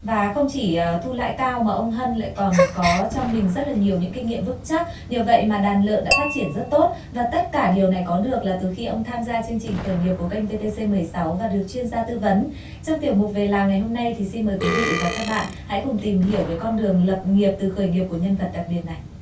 và không chỉ ở thu lãi cao mà ông hân lại còn có cho mình rất là nhiều những kinh nghiệm vững chắc nhờ vậy mà đàn lợn đã phát triển rất tốt và tất cả điều này có được là từ khi ông tham gia chương trình khởi nghiệp của kênh vê tê xê mười sáu và được chuyên gia tư vấn trong tiểu mục về làng ngày hôm nay thì xin mời quý vị và các bạn hãy cùng tìm hiểu về con đường lập nghiệp từ khởi nghiệp của nhân vật đặc biệt này